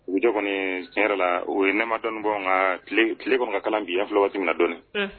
U tɔgɔ kɔni tiɲɛ yɛrɛ la u ye nema dɔnniinbɔ ka tile kɔnɔ ka kalan bi yan filalo wa min dɔɔnin